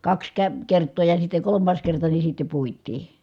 kaksi - kertaa ja sitten kolmas kerta niin sitten puitiin